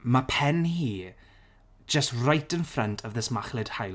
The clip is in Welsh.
mae pen hi jyst right in front of this machlud haul.